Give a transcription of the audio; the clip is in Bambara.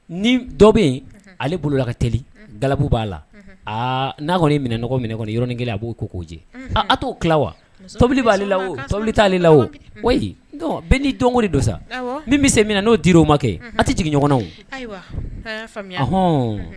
Ni dɔ bɛ ale bololakaeli gabu b'a la aa n'a kɔni minɛɔgɔ min kɔni yɔrɔɔrɔninla a b'o ko'o jɛ aaa t'o tila wa tobili b'aale la o tobili t'ale la o bɛn n ni dɔn don sa min bɛ se min na n'o dir o ma kɛ a tɛ jigin ɲɔgɔnnaw ohɔn